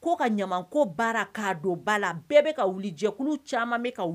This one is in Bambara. Ko ka ɲama ko baara' dɔ bala la bɛɛ bɛ ka wuli jɛkulu caman